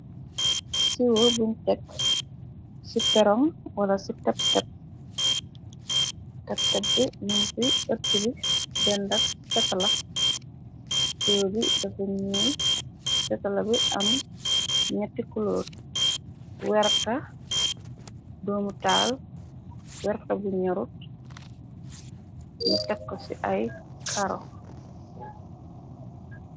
Siiwo buñ tekk ci peron wala ci tep tep b num fi ëtt bi dendak setala siwo bi dafa ñuuy setala bi am ñetti kuloor werka doomu taal werxa bu ñyorut ñu tekko ci ay caro.